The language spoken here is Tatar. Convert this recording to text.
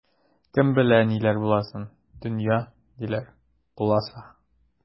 Кем белә ниләр буласын, дөнья, диләр, куласа.